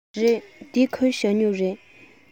རེད འདི ཁོའི ཞ སྨྱུག རེད